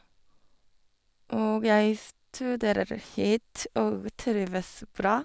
Og jeg studerer hit og trives bra.